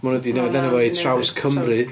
Mae hwnna 'di newid enw fo i Traws-Cymru.